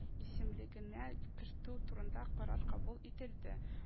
Исемлегенә кертү турында карар кабул ителде